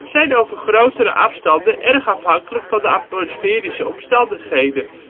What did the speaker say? zijn over grotere afstanden erg afhankelijk van de atmosferische omstandigheden